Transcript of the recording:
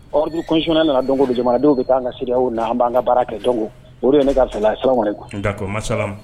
Ordre constitutionnelle nana don don jamanadenw bɛ taa an ka CEDEAO na, an b'an ka baara kɛ. Donc o de ye ne ka fɛla ye, salamalekumu. D'accord ma Salam.